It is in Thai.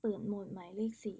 เปิดโหมดหมายเลขสี่